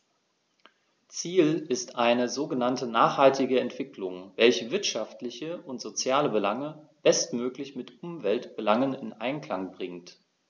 Ziel ist eine sogenannte nachhaltige Entwicklung, welche wirtschaftliche und soziale Belange bestmöglich mit Umweltbelangen in Einklang bringt.